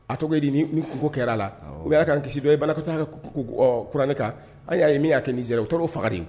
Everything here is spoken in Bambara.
A tɔgɔ di kɛra la o bɛ y'a kan kisi dɔ i balatɔ taauranɛ kan y'a ye min'a kɛ nini o tɔɔrɔ'o faga de ye